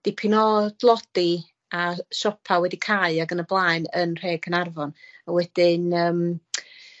dipyn o dlodi a siopa' wedi cae ac yn y blaen yn nhre Cynarfon, a wedyn yym